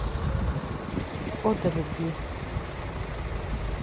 ода любви